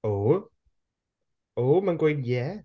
Ww ww ma'n gweud ie.